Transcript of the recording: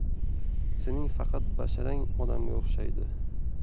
sening faqat basharang odamga o'xshaydi